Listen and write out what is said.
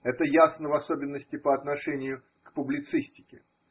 Это ясно в особенности по отношению к публицистике.